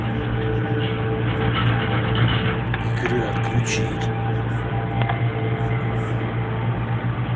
икра отключить